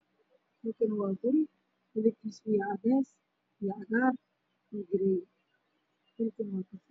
Kani waa gari midabkiisu waa cadeys, cagaar iyo garee, dhulkana waa gaduud.